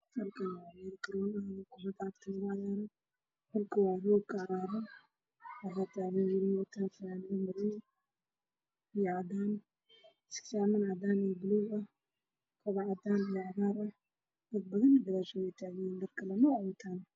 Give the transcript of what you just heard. Meeshaan waa garoon waxaa isku imaaday dhalinyaro waxa ay wataan fanaanada cadaan waxaa ka dambeeya dad farabadan oo daawanayo